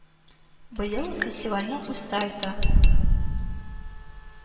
Быел фестивальнең үз сайты